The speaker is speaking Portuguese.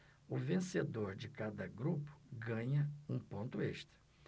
o vencedor de cada grupo ganha um ponto extra